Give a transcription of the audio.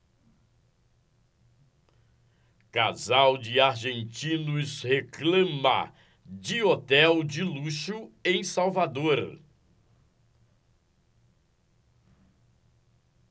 casal de argentinos reclama de hotel de luxo em salvador